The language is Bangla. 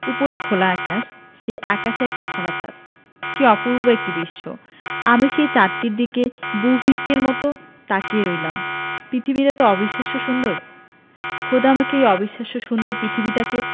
ওপরে খোলা আকাশ সেই আকাশে একটা ভরা চাঁদ কী অপূর্ব একটি দৃশ্য আমি সেই চাঁদটির দিকে বুভুক্ষের মতো তাকিয়ে রইলাম পৃথিবী এতো অবিশ্বাস্য সুন্দর খোদা আমাকে এই অবিশ্বাস্য সুন্দর পৃথিবীটিকে